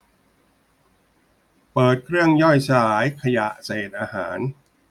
เปิดเครื่องย่อยสลายขยะเศษอาหาร